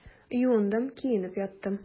Юындым, киенеп яттым.